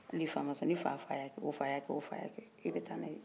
hali ni i fa ma sɔn n' i fa fa y' a kɛ o fa y'a kɛ o f'a y' a kɛ i bɛ taa na ye